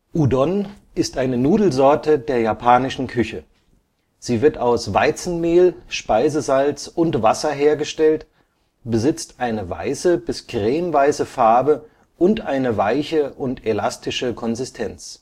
Udon (jap. うどん, auch: 饂飩) ist eine Nudelsorte der japanischen Küche. Sie wird aus Weizenmehl, Speisesalz und Wasser hergestellt, besitzt eine weiße bis cremeweiße Farbe und eine weiche und elastische Konsistenz